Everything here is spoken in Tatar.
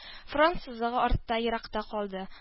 Фронт сызыгы артта, еракта калды